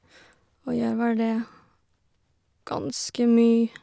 Og gjør vel det ganske mye.